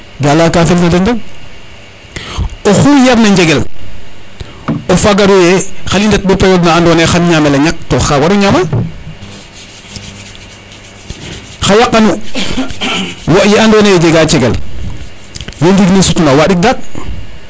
ga leya ka felna den rek oxu yarna njegel o fagaru ye xa i ndet bo periode na ando naye xaye ñamel a ñak to xa waru ñama xa yaqanu wo ye ando naye jega cegel bo ndiik ne sutuna o waɗik daaɗ